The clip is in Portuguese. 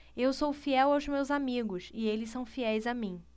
eu sou fiel aos meus amigos e eles são fiéis a mim